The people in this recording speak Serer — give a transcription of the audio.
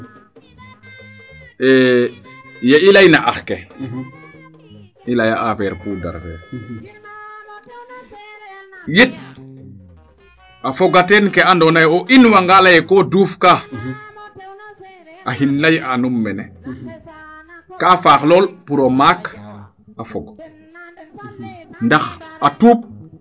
e yee i leyna ax ke i leya affaire poudre fee yit a foga teen kee ando naye o in wa nga leyee ko duuf kaa axin ley'aa num mene kaa faax lool pour o maak a fog ndax a tuup